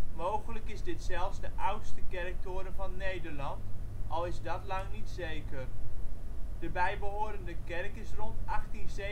Mogelijk is dit zelfs de oudste kerktoren van Nederland, al is dat lang niet zeker. De bijbehorende kerk is rond 1827